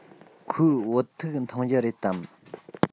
ཁོས བོད ཐུག འཐུང རྒྱུ རེད དམ